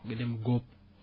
nga dem góob